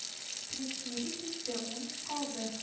Тринкьери китте, УНИКС калды